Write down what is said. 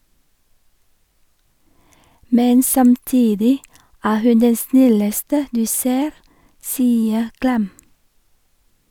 Men samtidig er hun den snilleste du ser, sier Klem.